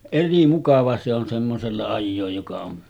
eri mukava se on semmoisella ajaa joka on